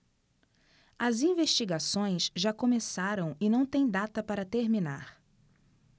as investigações já começaram e não têm data para terminar